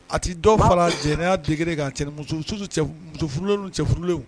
A tɛ dɔw fara jɛnɛya degege ka cɛlen cɛlen